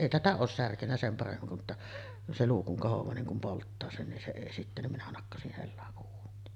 ei tätä ole särkenyt sen paremmin mutta se luu kun kohoaa niin kun polttaa sen niin se ei sitten niin minä nakkasin hellan uuniin